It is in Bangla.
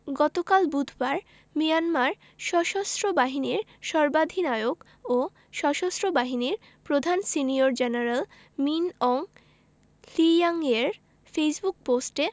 গতকাল বুধবার মিয়ানমার সশস্ত্র বাহিনীর সর্বাধিনায়ক ও সশস্ত্র বাহিনীর প্রধান সিনিয়র জেনারেল মিন অং হ্লিয়াংয়ের ফেসবুক পোস্টে